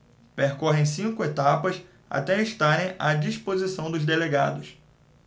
percorrem cinco etapas até estarem à disposição dos delegados